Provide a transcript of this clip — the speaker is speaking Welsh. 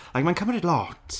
Like, mae'n cymryd lot.